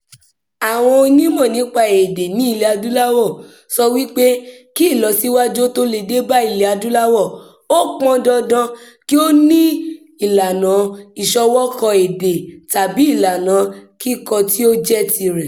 Àwọn onímọ̀ nípa èdè ní Ilẹ̀-Adúláwọ̀ sọ wí pé kí ìlọsíwájú ó tó dé bá Ilẹ̀ Adúláwọ̀, ó pọn dandan kí ó ní ìlànà ìṣọwọ́ kọ èdè tàbí ìlànà kíkọ tí ó jẹ́ tirẹ̀.